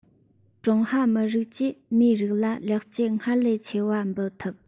ཀྲུང ཧྭ མི རིགས ཀྱིས མིའི རིགས ལ ལེགས སྐྱེས སྔར ལས ཆེ བ འབུལ ཐུབ